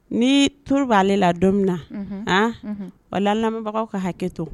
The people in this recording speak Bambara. Ni tour bt'ale la don min na wallahi an lamɛnbagaw ka hakɛtɔ.